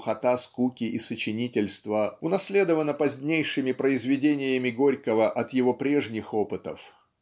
духота скуки и сочинительства унаследована позднейшими произведениями Горького от его прежних опытов.